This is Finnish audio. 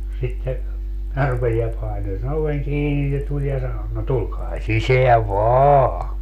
sitten minä rupesin ja painoin sen oven kiinni se tuli ja sanoi no tulkaa sisään vain